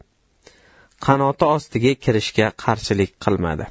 qanoti ostiga kirishga qarshilik qilmadi